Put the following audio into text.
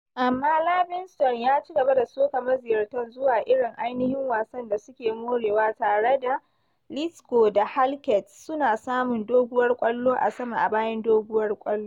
Amma Livingston ya ci gaba da soka maziyartan zuwa irin ainihin wasan da suke morewa, tare daLithgow da Halkett suna samun doguwar ƙwallo a sama a bayan doguwar ƙwallo.